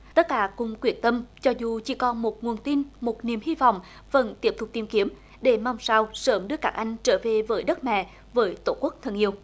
tất cả cùng quyết tâm cho dù chỉ còn một nguồn tin một niềm hy vọng vẫn tiếp tục tìm kiếm để mong sao sớm đưa các anh trở về với đất mẹ với tổ quốc thân yêu